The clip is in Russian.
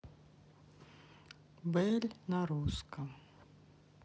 бэль на русском